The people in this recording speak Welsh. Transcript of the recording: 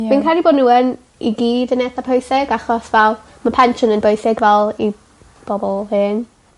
Ie. Fi'n credu bo' n'w yn i gyd yn etha pwysig achos fal ma' pensiwn yn bwysig fal i bobol hen.